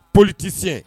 Poli tɛsi